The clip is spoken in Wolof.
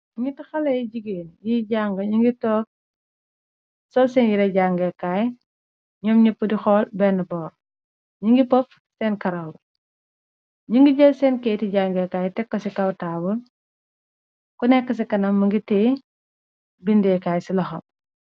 Netti xalay jigéen yi jànge ñun ngi toog sol seen yire jangeekaay, ñoom ñëpp di xool benne boor, ñi ngi poff seen karaw ngi, ñu ngi jël seen keyti jangeekaay tekko ci kaw taabal, ko nekk ci kanam mingi teye bindeekaay ci loxo.